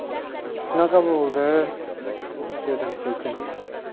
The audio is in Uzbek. shunaqa bo'ldi dedim sekin